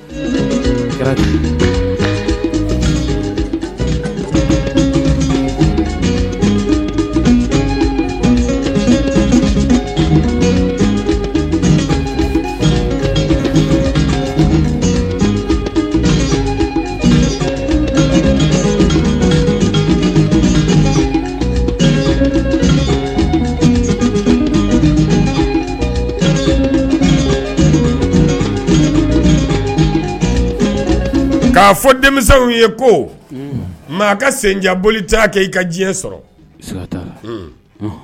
K'a fɔ denmisɛnww ye ko maa ka sendiyaoli t kɛ i ka diɲɛ sɔrɔ